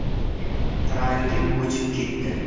rangi o'chib ketdi